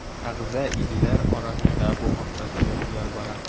Әгъза илләр арасында бу хакта сөйләшүләр бара.